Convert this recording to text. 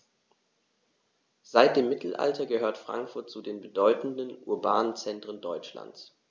Seit dem Mittelalter gehört Frankfurt zu den bedeutenden urbanen Zentren Deutschlands.